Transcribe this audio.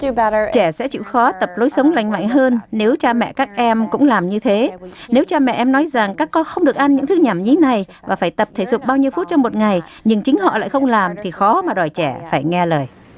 trẻ sẽ chịu khó tập lối sống lành mạnh hơn nếu cha mẹ các em cũng làm như thế nếu cha mẹ em nói rằng các con không được ăn những thứ nhảm nhí này và phải tập thể dục bao nhiêu phút cho một ngày nhưng chính họ lại không làm thì khó mà đòi trẻ phải nghe lời